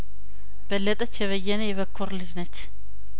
በለጠች የበየነ የበኩር ልጅነች